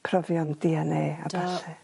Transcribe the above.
profion Dee En Ay a ballu. Do.